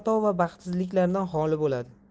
va baxtsizliklardan xoli bo'ladi